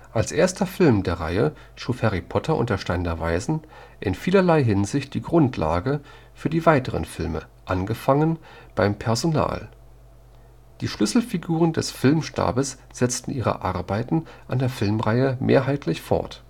Als erster Film der Reihe schuf Harry Potter und der Stein der Weisen in vielerlei Hinsicht die Grundlage für die weiteren Filme, angefangen beim Personal: Die Schlüsselfiguren des Filmstabs setzten ihre Arbeiten an der Filmreihe mehrheitlich fort